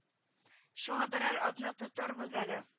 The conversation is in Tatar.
Шуңа берәр атна тотарбыз әле